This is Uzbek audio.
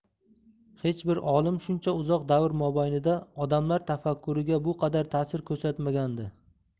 hyech bir olim shuncha uzoq davr mobaynida odamlar tafakkuriga bu qadar ta'sir kursatmagandi